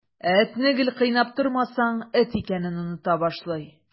Ә этне гел кыйнап тормасаң, эт икәнен оныта башлый.